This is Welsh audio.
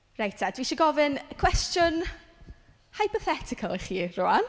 Reit te dwi isie gofyn cwestiwn hypothetical i chi rwan.